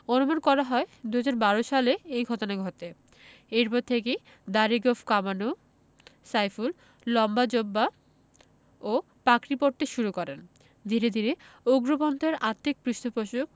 অনুমান করা হয় ২০১২ সালে এ ঘটনা ঘটে এরপর থেকে দাড়ি গোঁফ কামানো সাইফুল লম্বা জোব্বা ও পাগড়ি পরতে শুরু করেন ধীরে ধীরে উগ্রপন্থার আর্থিক পৃষ্ঠপোষক